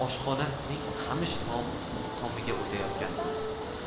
oshxonaning qamish tomiga o'tayotgandek bo'ldi